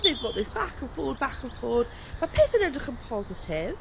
They've got this back and forward, back and forward, mae pethau'n edrych yn positif.